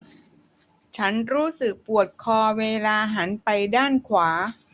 ฉันรู้สึกปวดคอเวลาหันไปด้านขวา